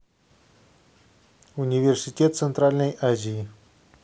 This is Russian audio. университет центральной азии